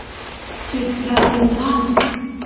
ปิดประตูห้อง